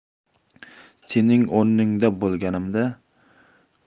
sening o'rningda bo'lganimda